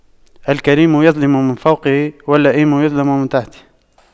الكريم يظلم من فوقه واللئيم يظلم من تحته